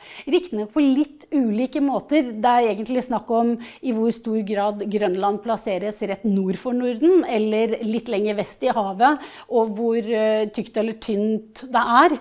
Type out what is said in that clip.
riktignok på litt ulike måter det er egentlig snakk om i hvor stor grad Grønland plasseres rett nord for Norden eller litt lenger vest i havet og hvor tykt eller tynt det er.